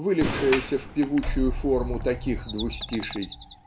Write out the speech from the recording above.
вылившаяся в певучую форму таких двустиший